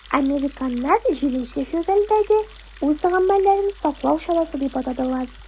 Американнар 7 февральдәге үз гамәлләрен саклану чарасы дип атадылар.